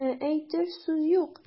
Ә әйтер сүз юк.